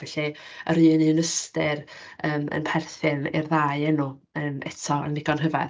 Felly, yr un un ystyr yym yn perthyn i'r ddau enw yym eto, yn ddigon rhyfedd.